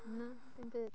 Na dim byd.